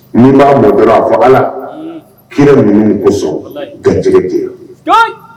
Min b'a mɔ dɔrɔn a fa la kium kosɔn garijɛ tɛ